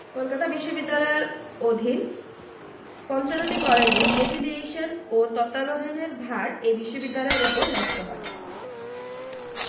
কলকাতা বিশ্ববিদ্যালয়ের অধীন ৫৫টি কলেজের এফিলিয়েশন ও তত্ত্বাবধানের ভার এ বিশ্ববিদ্যালয়ের ওপর ন্যস্ত হয়